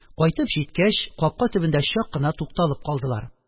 Кайтып җиткәч, капка төбендә чак кына тукталып калдылар